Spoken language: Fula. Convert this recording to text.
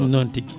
noon tigui